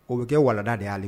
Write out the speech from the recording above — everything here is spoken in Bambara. O bɛ kɛ walanda de y'ale